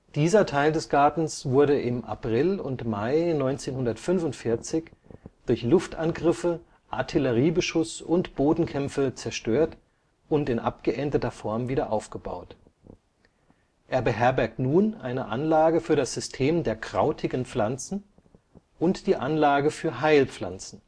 Dieser Teil des Gartens wurde im April und Mai 1945 durch Luftangriffe, Artilleriebeschuss und Bodenkämpfe zerstört und in abgeänderter Form wieder aufgebaut. Er beherbergt nun eine Anlage für das System der Krautigen Pflanzen und die Anlage für Heilpflanzen